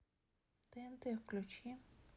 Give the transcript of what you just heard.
тнт включи